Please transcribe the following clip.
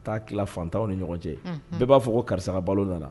Taa kilan fantanw ni ɲɔgɔn cɛ bɛɛ ba fɔ ko karisa ka balo nana.